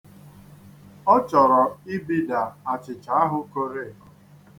Ọ chọrọ ibida achịcha ahụ koro eko.